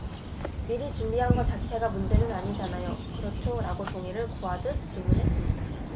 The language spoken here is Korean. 미리 준비한 거 자체가 문제는 아니잖아요 그렇죠 라고 동의를 구하듯 질문했습니다